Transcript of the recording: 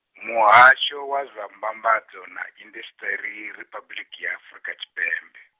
Muhasho wa zwa Mbambadzo na indasiṱiri Riphabuḽiki ya Afrika Tshipembe.